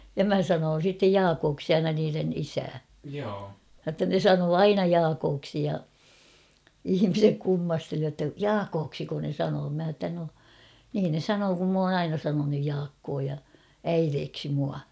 ja minä sanoin sitten Jaakoksi aina niiden isää jotta ne sanoi aina Jaakoksi ja ihmiset kummasteli jotta Jaakoksiko ne sanoo minä sanoin että no niin ne sanoo kun minä olen aina sanonut Jaakko ja äidiksi minua